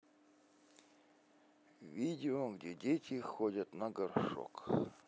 видео где дети ходят на горшок